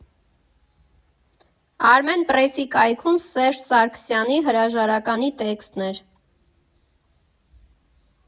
Արմենպրեսի կայքում Սերժ Սարգսյանի հրաժարականի տեքստն էր։